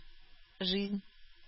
Жизнь